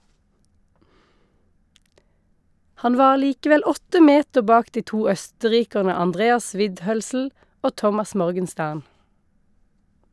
Han var likevel åtte meter bak de to østerrikerne Andreas Widhölzl og Thomas Morgenstern.